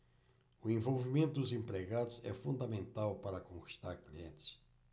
o envolvimento dos empregados é fundamental para conquistar clientes